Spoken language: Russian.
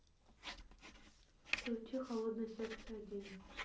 включи холодное сердце один